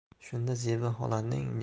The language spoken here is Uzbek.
shunda zebi xolaning